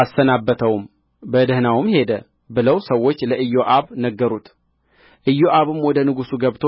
አሰናበተውም በደኅናውም ሄደ ብለው ሰዎች ለኢዮአብ ነገሩት ኢዮአብም ወደ ንጉሥ ገብቶ